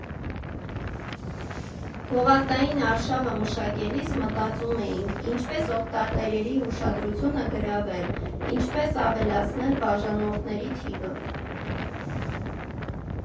֊ Գովազդային արշավը մշակելիս մտածում էինք՝ ինչպե՞ս օգտատերերի ուշադրությունը գրավել, ինչպես ավելացնել բաժանորդների թիվը։